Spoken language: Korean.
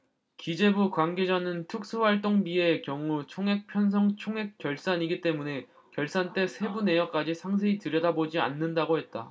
기재부 관계자는 특수활동비의 경우 총액 편성 총액 결산이기 때문에 결산 때 세부 내역까지 상세히 들여다보지 않는다고 했다